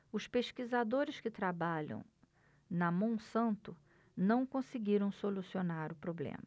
os pesquisadores que trabalham na monsanto não conseguiram solucionar o problema